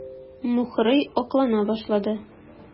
Мухрый аклана башлады.